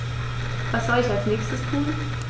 Was soll ich als Nächstes tun?